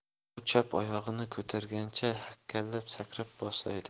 u chap oyog'ini ko'targancha hakkalab sakray boshladi